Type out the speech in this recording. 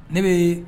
Ne bɛ